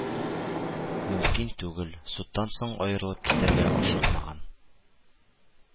Мөмкин түгел, судтан соң аерылып китәргә ашыкмаган